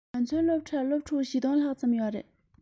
ང ཚོའི སློབ གྲྭར སློབ ཕྲུག ༤༠༠༠ ལ ལྷག ཙམ ཡོད རེད